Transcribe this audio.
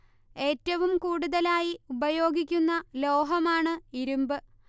ഏറ്റവും കൂടുതലായി ഉപയോഗിക്കുന്ന ലോഹമാണ് ഇരുമ്പ്